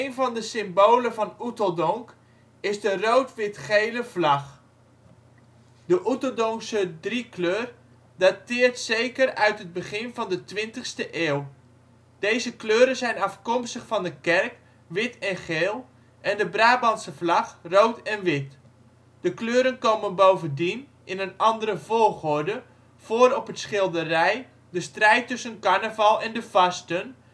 van de symbolen van Oeteldonk is de rood-wit-gele vlag. De Oeteldonkse driekleur dateert zeker uit het begin van de 20e eeuw. Deze kleuren zijn afkomstig van de kerk (wit en geel), en de Brabantse vlag (rood en wit). De kleuren komen bovendien (in een andere volgorde) voor op het schilderij " de strijd tussen carnaval en de vasten